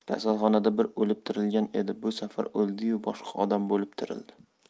kasalxonada bir o'lib tirilgan edi bu safar o'ldi yu boshqa odam bo'lib tirildi